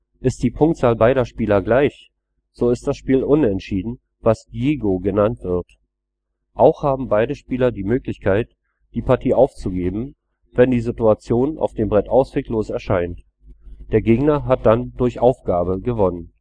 Ist die Punktzahl beider Spieler gleich, so ist das Spiel unentschieden, was „ Jigo “genannt wird. Auch haben beide Spieler die Möglichkeit, die Partie aufzugeben, wenn die Situation auf dem Brett ausweglos erscheint. Der Gegner hat dann „ durch Aufgabe gewonnen